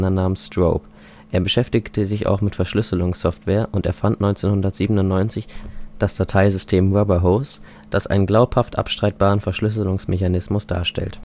namens Strobe. Er beschäftigte sich auch mit Verschlüsselungssoftware und erfand 1997 das Dateisystem Rubberhose, das einen glaubhaft abstreitbaren Verschlüsselungsmechanismus darstellt